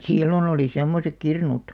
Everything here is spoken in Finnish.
silloin oli semmoiset kirnut